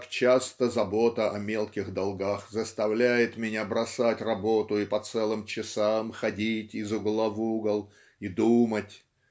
как часто забота о мелких долгах заставляет меня бросать работу и по целым часам ходить из угла в угол и думать